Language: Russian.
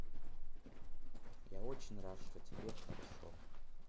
я очень рад что тебе хорошо